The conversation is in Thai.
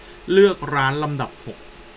เลือกร้านลำดับหก